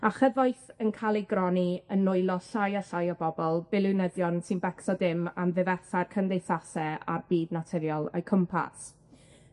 A chyfoeth yn ca'l ei gronni yn nwylo llai a llai o bobl, biliwnyddion sy'n becso dim am ddifetha'r cymdeithase a'r byd naturiol o'u cwmpas.